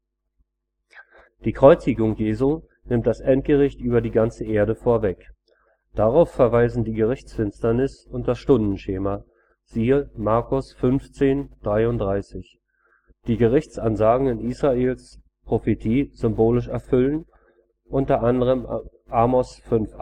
Die Kreuzigung Jesu nimmt das Endgericht über die ganze Erde vorweg: Darauf verweisen die Gerichtsfinsternis und das Stundenschema (Mk 15,33), die Gerichtsansagen in Israels Prophetie symbolisch erfüllen (u. a. Am 5,18